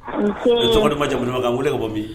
Ko i cɛkɔrɔba majakolon kan wele ne ka bɔ min